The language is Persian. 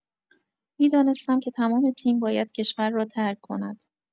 می‌دانستم که تمام تیم باید کشور را ترک کند.